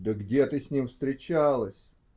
-- Да где ты с ним встречалась?